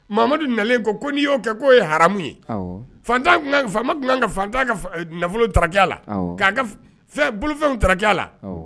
Mamadu nalen kɔ ko n'i y'o kɛ k'o ye haramu ye, ɔhɔ, faantan tun, faama tun kan ka faantan ka nafolo ndaraki a la, awɔ, k'a ka bolofɛnw ndaraki a la, awɔ